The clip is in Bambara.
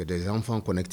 Des enfants connectés